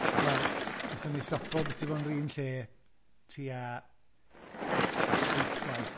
Wel, wnaethon ni stopio byti bod yn yr un lle tua wyth gwaith.